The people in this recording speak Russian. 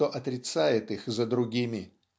кто отрицает их за другими.